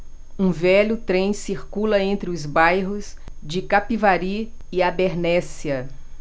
um velho trem circula entre os bairros de capivari e abernéssia